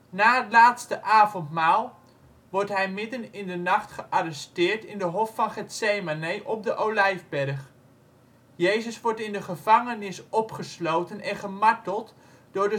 Na het Laatste Avondmaal wordt hij midden in de nacht gearresteerd in de Hof van Getsemane, op de Olijfberg. Jezus wordt in de gevangenis opgesloten en gemarteld door